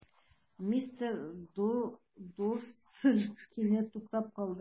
Мистер Дурсль кинәт туктап калды.